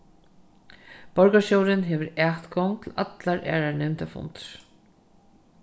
borgarstjórin hevur atgongd til allar aðrar nevndarfundir